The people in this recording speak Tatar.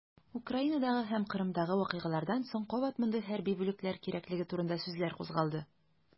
Украинадагы һәм Кырымдагы вакыйгалардан соң кабат мондый хәрби бүлекләр кирәклеге турында сүзләр кузгалды.